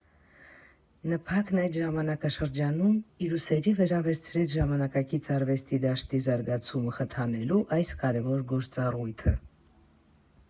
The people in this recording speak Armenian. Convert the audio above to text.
ՆՓԱԿ֊ն այդ ժամանակաշրջանում իր ուսերի վրա վերցրեց ժամանակակից արվեստի դաշտի զարգացումը խթանելու այս կարևոր գործառույթը։